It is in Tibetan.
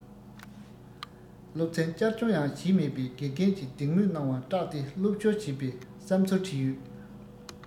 སློབ ཚན བསྐྱར སྦྱོང ཡང བྱས མེད པས དགེ རྒན གྱི སྡིག དམོད གནང བར སྐྲག སྟེ སློབ བྱོལ བྱེད པའི བསམ ཚུལ བྲིས ཡོད